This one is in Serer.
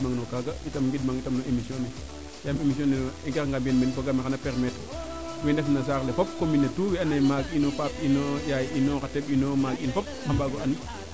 ngidmang no kaaga itam ngidmang itam no emission ne yaam emission i ngara nga mbiyan meen fogame xana permettre wee ndefna saaxle fop commune ne tout wee ando naye maag ino faap ino yaay ino xa teɓ ino maag inoo fop a mbaago an